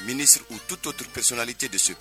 Minisiri uu tu tourpsonalicɛ de so